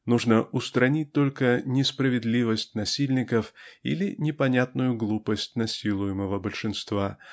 нужно устранить только несправедливость насильников или непонятную глупость насилуемого большинства